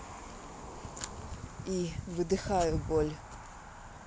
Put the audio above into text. и выдыхаю боль